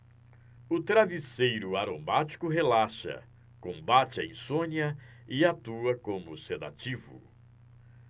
o travesseiro aromático relaxa combate a insônia e atua como sedativo